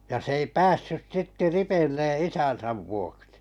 ja se ei päässyt sitten ripille isänsä vuoksi